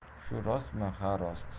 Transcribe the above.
shu rostmi ha rost